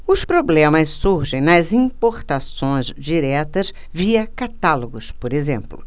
os problemas surgem nas importações diretas via catálogos por exemplo